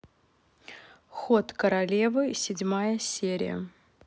ход королевы седьмая серия